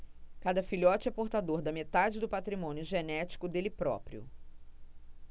cada filhote é portador da metade do patrimônio genético dele próprio